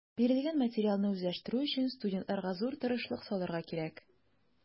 Бирелгән материалны үзләштерү өчен студентларга зур тырышлык салырга кирәк.